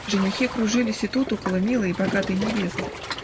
Женихи кружились и тут около милой и богатой невесты